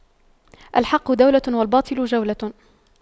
الحق دولة والباطل جولة